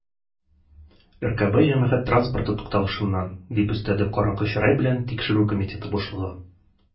"ркб җәмәгать транспорты тукталышыннан", - дип өстәде караңгы чырай белән тикшерү комитеты башлыгы.